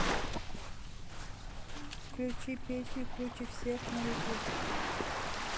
включи песню круче всех на ютуб